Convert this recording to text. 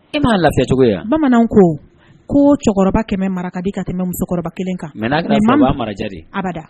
'a lacogo bamananw ko ko cɛkɔrɔba kɛmɛ maraka di ka tɛmɛ musokɔrɔba kelen kan